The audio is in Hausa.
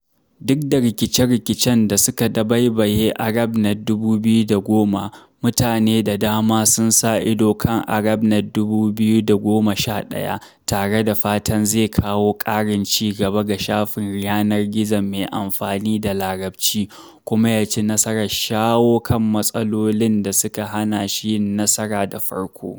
Duk da rikice-rikicen da suka dabaibaye ArabNet 2010, mutane da dama sun sa ido kan ArabNet 2011 tare da fatan zai kawo ƙarin cigaba ga shafin yanar gizon mai amfani da Larabci, kuma ya ci nasarar shawo kan matsalolin da suka hana shi yin nasara da farko.